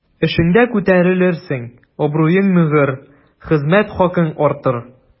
Эшеңдә күтәрелерсең, абруең ныгыр, хезмәт хакың артыр.